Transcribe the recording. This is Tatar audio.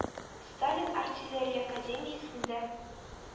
Сталин Артиллерия академиясендә